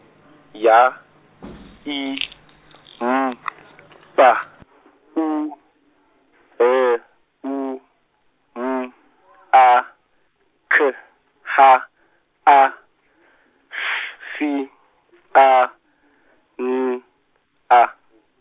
Y I M B U L U M A K H A S A N A.